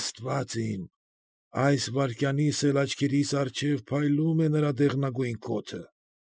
Աստված իմ. այս վայրկյանիս էլ աչքերիս առջև փայլում է նրա դեղնագույն կոթը։